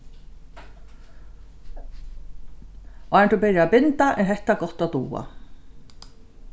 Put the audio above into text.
áðrenn tú byrjar at binda er hetta gott at duga